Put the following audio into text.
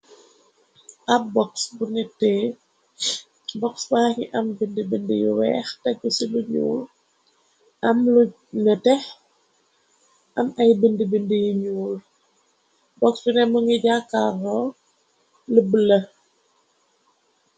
Ab boxbntbox baaki am bind bind yu weex teggu ci lu nuur am lu netex am ay bind bind yu nuur boxs bu ne mu ngi jaakaarro lëbbla